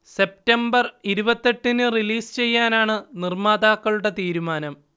September ഇരുപതെട്ടിന് release ചെയ്യാനാണ് നിർമ്മാതാക്കളുടെ തീരുമാനം